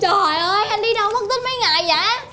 trời ơi anh đi đâu mất tích mấy ngày dạ